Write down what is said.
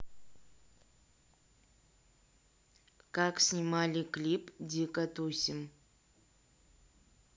как снимали клип дико тусим